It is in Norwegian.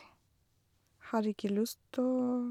Har ikke lyst å...